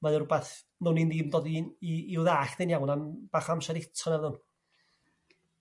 Mae o r'wbath nown ni'n ddim dod i i'w ddallt yn iawn am bach o amser eto na n'wn?